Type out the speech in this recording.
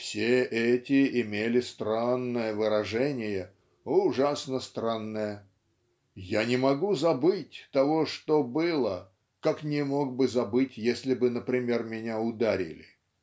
все эти имели странное выражение, ужасно странное. Я не могу забыть того что было как не мог бы забыть если бы например меня ударили".